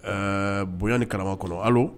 Ɛɛ bonya ni karama kɔnɔ hali